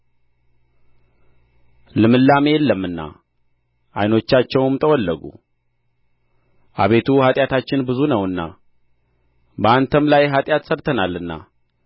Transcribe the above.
ልምላሜም የለምና ዓይኖቻቸው ጠወለጉ አቤቱ ኃጢአታችን ብዙ ነውና በአንተም ላይ ኃጢአት ሠርተናልና